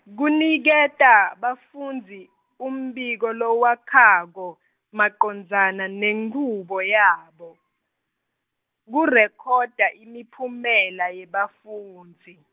kuniketa, bafundzi, umbiko lowakhako, macondzana nenchubo yabo, kurekhoda imiphumela yebafundzi.